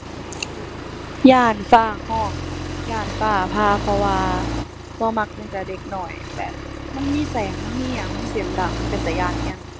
ย้านฟ้าร้อง ย้านฟ้าผ่า เพราะว่าบ่มักตั้งแต่เด็กน้อยแบบมันมีแสง มันมีหยัง มันเสียงดัง มันเป็นตาย้านร้อง